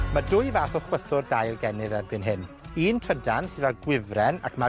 Ma' dwy fath o chwythwr dail gennyf erbyn hyn, un trydan sydd â gwifren, ac ma'